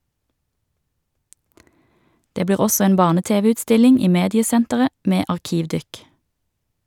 Det blir også en Barne-TV-utstilling i Mediesenteret med arkivdykk.